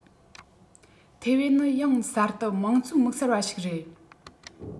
ཐའེ ཝན ནི ཡང གསར དུ དམངས གཙོའི དམིགས བསལ བ ཞིག རེད